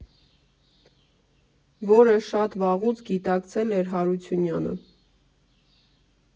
Որը շատ վաղուց գիտակցել էր Հարությունյանը։